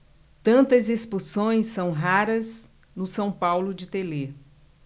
tantas expulsões são raras no são paulo de telê